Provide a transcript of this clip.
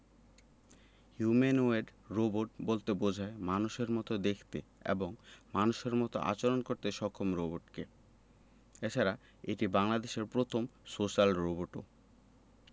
humanoid robot বলতে বোঝায় মানুষের মতো দেখতে এবং মানুষের মতো আচরণ করতে সক্ষম রোবটকে এছাড়া এটি বাংলাদেশের প্রথম সোশ্যাল রোবটও